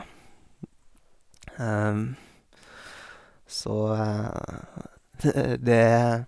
Så det...